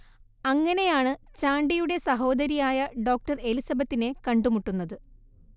അങ്ങനെയാണ് ചാണ്ടിയുടെ സഹോദരിയായ ഡോക്ടർ എലിസബത്തിനെ കണ്ടു മുട്ടുന്നത്